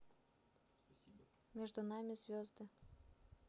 между нами звезды